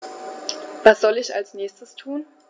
Was soll ich als Nächstes tun?